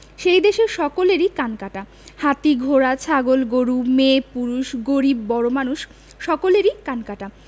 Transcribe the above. সেই দেশের সকলেরই কান কাটা হাতি ঘোড়া ছাগল গরু মেয়ে পুরুষ গরিব বড়োমানুয সকলেরই কান কাটা